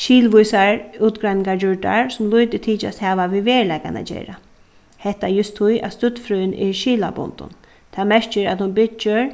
skilvísar útgreiningar gjørdar sum lítið tykjast hava við veruleikan at gera hetta júst tí at støddfrøðin er skilabundin tað merkir at hon byggir